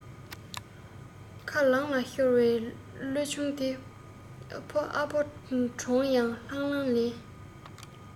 ཁ ལངས ལ ཤོར བའི གླུ ཆུང དེ ཕ ཨ ཕ གྲོངས ཡང ལྷང ལྷང ལེན